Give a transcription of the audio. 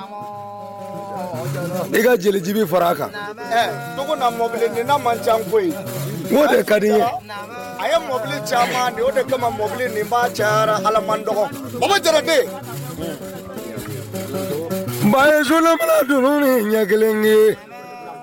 N ka jeliji fara a kan ka di a ye mɔbili ca kama mɔbili ca ye dunun ɲɛ kelen ye